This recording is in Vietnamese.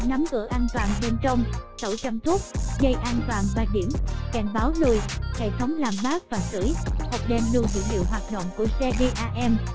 tay nắm cửa an toàn bên trong tẩu châm thuốc dây an toàn điểm kèn báo lùi hệ thống làm mát và sưởi hộp đen lưu dữ liệu hoạt động của xe drm